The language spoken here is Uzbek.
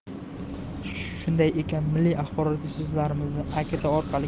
shunday ekan milliy axborot resurslarimizni akt orqali